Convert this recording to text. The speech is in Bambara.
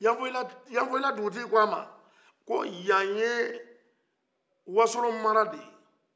yanfɔlila dugutigi ko a ma ko ya ye wasolo mara de ye